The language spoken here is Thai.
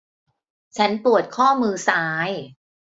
ฉันปวดข้อมือซ้าย